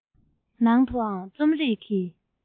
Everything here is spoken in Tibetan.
ནང དུའང རྩོམ རིག གི